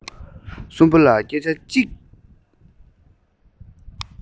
གཅིག ཀྱང ལབ རྒྱུ མི འདུག